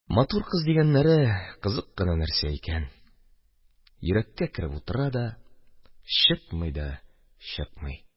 Матур кыз дигәннәре кызык кына нәрсә икән – йөрәккә кереп утыра да чыкмый да чыкмый.